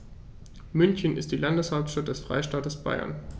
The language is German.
München ist die Landeshauptstadt des Freistaates Bayern.